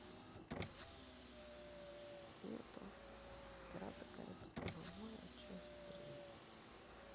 ютуб пираты карибского моря часть три